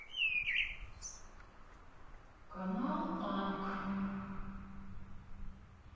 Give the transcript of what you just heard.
канал анк